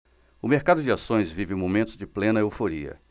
o mercado de ações vive momentos de plena euforia